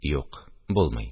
Юк, булмый